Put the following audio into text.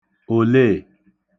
òleè